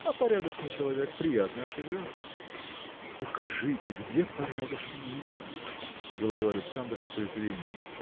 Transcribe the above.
а порядочный человек – приятно ошибешься. – Укажите, где порядочные люди? – говорил Александр с презрением.